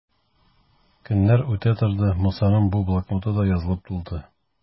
Көннәр үтә торды, Мусаның бу блокноты да язылып тулды.